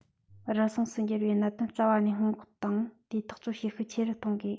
རུལ སུངས སུ འགྱུར བའི གནད དོན རྩ བ ནས སྔོན འགོག དང དེ ཐག གཅོད བྱེད ཤུགས ཆེ རུ གཏོང དགོས